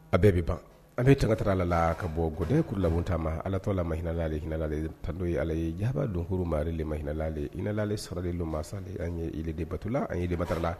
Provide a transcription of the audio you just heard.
A bɛɛ bɛ ban